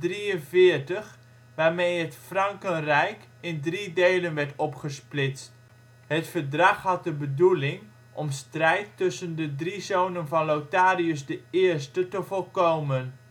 843, waarmee het Frankenrijk in drie delen werd opgesplitst. Het verdrag had de bedoeling om strijd tussen de drie zonen van Lotharius I te voorkomen